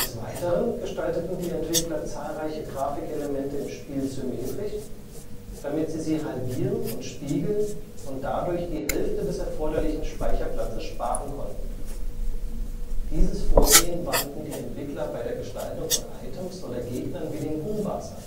Weiteren gestalteten die Entwickler zahlreiche Grafik-Elemente im Spiel symmetrisch, damit sie sie halbieren und spiegeln und dadurch die Hälfte des erforderlichen Speicherplatzes sparen konnten. Dieses Vorgehen wandten die Entwickler bei der Gestaltung von Items oder Gegnern wie den Gumbas